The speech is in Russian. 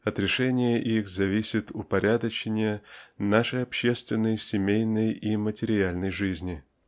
от решения их зависит упорядочение нашей общественной семейной и материальной жизни.